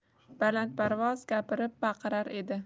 balandparvoz gapirib baqirar edi